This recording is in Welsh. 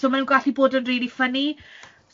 So mae'n gallu bod yn rili ffyni.